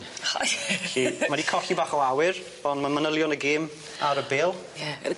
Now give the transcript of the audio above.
O ie. 'Lly ma' 'di colli bach o awyr on' ma' manylion y gêm ar y bêl. Ie.